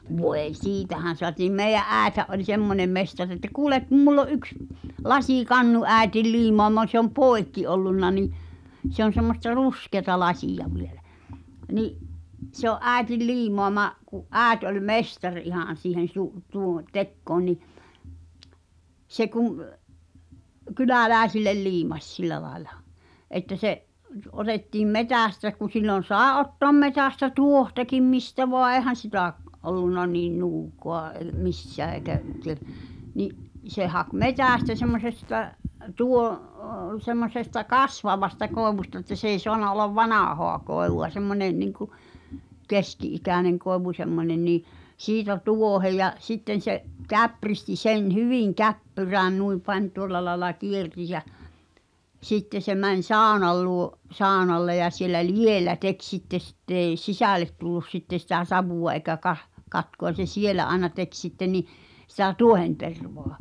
voi siitähän saatiin meidän äitihän oli semmoinen mestari että kuule kun minulla on yksi lasikannu äidin liimaama se on poikki ollut niin se on semmoista ruskeata lasia vielä niin se on äidin liimaama kun äiti oli mestari ihan siihen -- tekoon niin se kun kyläläisille liimasi sillä lailla että se otettiin metsästä kun silloin sai ottaa metsästä tuohtakin mistä vain eihän sitä ollut niin nuukaa ei missään eikä - niin se haki metsästä semmoisesta -- semmoisesta kasvavasta koivusta että se ei saanut olla vanhaa koivua semmoinen niin kuin keski-ikäinen koivu semmoinen niin siitä tuohen ja sitten se käpristi sen hyvin käppyrään noin pani tuolla lailla kiersi ja sitten se meni saunan luo saunalle ja siellä likellä teki sitten sitten ei sisälle tullut sitten sitä savua eikä - katkua niin se siellä aina teki sitten niin sitä tuohentervaa